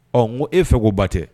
Ɔ ko e fɛ ko ba tɛ